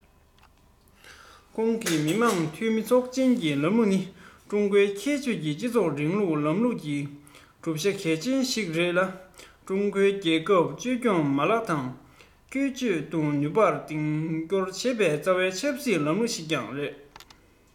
ཁོང གིས མི དམངས འཐུས མི ཚོགས ཆེན གྱི ལམ ལུགས ནི ཀྲུང གོའི ཁྱད ཆོས ཀྱི སྤྱི ཚོགས རིང ལུགས ལམ ལུགས ཀྱི གྲུབ ཆ གལ ཆེན ཞིག རེད ལ ཀྲུང གོའི རྒྱལ ཁབ བཅོས སྐྱོང མ ལག དང བཅོས སྐྱོང ནུས པར འདེགས སྐྱོར བྱེད པའི རྩ བའི ཆབ སྲིད ལམ ལུགས ཤིག ཀྱང རེད